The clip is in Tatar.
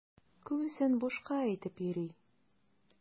Күбесен бушка әйтеп йөри.